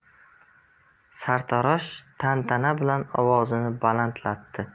sartarosh tantana bilan ovozini balandlatdi